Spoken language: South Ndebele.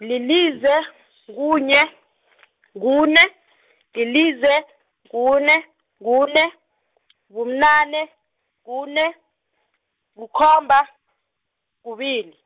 lilize, kunye, kune, lilize, kune, kune , kubunane, kune, kukhomba, kubili.